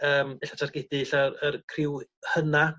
yym e'lla targedu 'lla yr criw hyna